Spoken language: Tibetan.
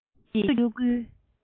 གསོན ཤུགས ཀྱི གཡོ འགུལ